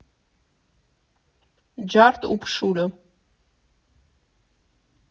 Ջարդ ու փշուրը։